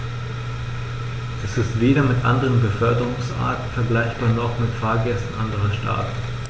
Er ist weder mit anderen Beförderungsarten vergleichbar, noch mit Fahrgästen anderer Staaten.